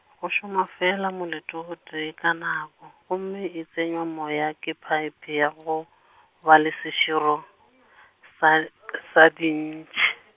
go šoma fela molete wo tee ka nako, gomme e tsenywa moya ke phaephe ya go, ba le seširo, sa, sa dintšhi.